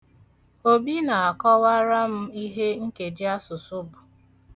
Obi na-akọwara m ihe nkejiasụsụ bụ.